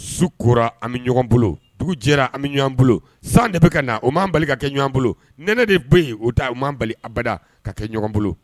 Su kora ami bɛ ɲɔgɔn bolo dugu jɛra ami bɛ ɲɔgɔn bolo san de bɛ ka na o ma bali ka kɛ ɲɔgɔn bolo n de bɛ yen o ta u bali abada ka kɛ ɲɔgɔn bolo